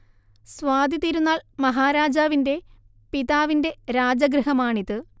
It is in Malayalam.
സ്വാതി തിരുനാൾ മഹാരാജാവിന്റെ പിതാവിന്റെ രാജഗൃഹമാണിത്